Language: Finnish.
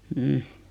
mm